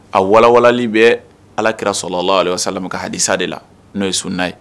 A wawali bɛ alakira sɔrɔ la ala salamɛ ka hasa de la n'o ye sun' ye